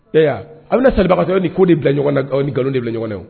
Ee a bɛna sariyabaga ni ko de bila nkalon de bila ɲɔgɔn na